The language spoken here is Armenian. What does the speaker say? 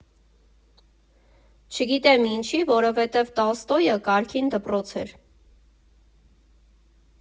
Չգիտեմ ինչի, որովհետև Տոլստոյը կարգին դպրոց էր։